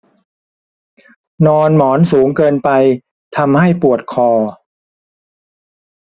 นอนหมอนสูงเกินไปทำให้ปวดคอ